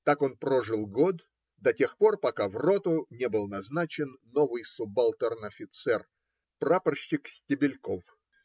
Так он прожил год, до тех пор, пока в роту не был назначен новый субалтерн-офицер, прапорщик Стебельков.